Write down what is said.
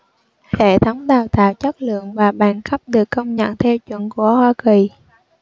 hệ thống đào tạo chất lượng và bằng cấp được công nhận theo chuẩn của hoa kỳ